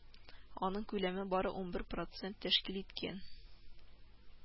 Аның күләме бары унбер процент тәшкил иткән